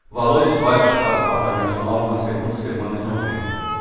valores válidos para apartamentos novos na segunda semana de novembro